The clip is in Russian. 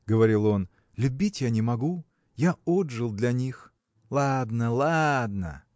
– говорил он, – любить я не могу: я отжил для них. Ладно, ладно!